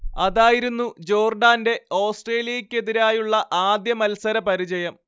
അതായിരുന്നു ജോർഡാന്റെ ഓസ്ട്രേലിയക്കെതിരായുള്ള ആദ്യ മത്സരപരിചയം